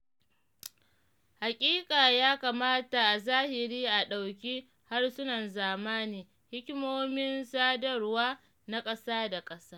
Hakika, ya kamata a zahiri a dauki harsunan zamani “hikimomin sadarwa na kasa-da-kasa.”